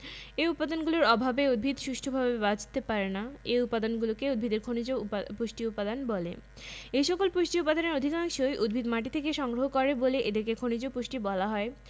এ উপাদানগুলোর অভাবে উদ্ভিদ সুষ্ঠুভাবে বাঁচতে পারে না এ উপাদানগুলোকে উদ্ভিদের খনিজ উপা পুষ্টি উপাদান বলে এসকল পুষ্টি উপাদানের অধিকাংশই উদ্ভিদ মাটি থেকে সংগ্রহ করে বলে এদেরকে খনিজ পুষ্টি বলা হয়